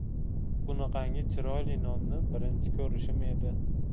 bunaqangi chiroyli nonni birinchi ko'rishim edi